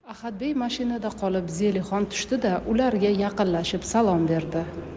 ahadbey mashinada qolib zelixon tushdi da ularga yaqinlashib salom berdi